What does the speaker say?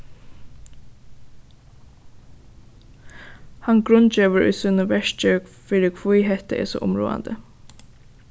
hann grundgevur í sínum verki fyri hví hetta er so umráðandi